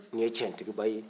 nin ye tiɲɛtigiba ye